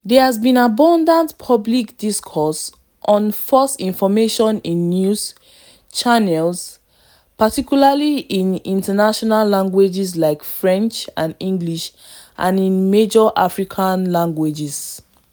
There has been abundant public discourse on false information in news channels, particularly in international languages like French and English, and in major African languages.